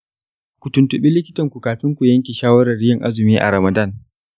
ku tuntuɓi likitanku kafin ku yanke shawarar yin azumi a ramadan.